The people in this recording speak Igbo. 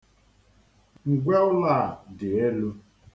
Ngwe ụlọ a dị elu.